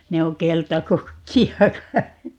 ne on keltakukkia kai